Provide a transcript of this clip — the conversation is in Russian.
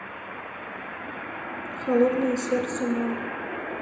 холодное сердце ноль